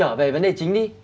trở về vấn đề chính đi